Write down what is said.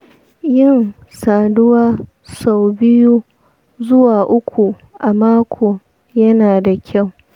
yin saduwa sau biyu zuwa uku a mako yana da kyau.